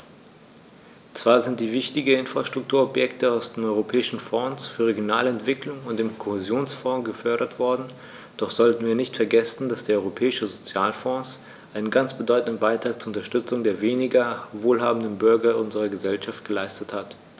Zwar sind wichtige Infrastrukturprojekte aus dem Europäischen Fonds für regionale Entwicklung und dem Kohäsionsfonds gefördert worden, doch sollten wir nicht vergessen, dass der Europäische Sozialfonds einen ganz bedeutenden Beitrag zur Unterstützung der weniger wohlhabenden Bürger unserer Gesellschaft geleistet hat.